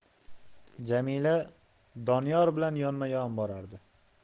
jamila doniyor bilan yonma yon borardi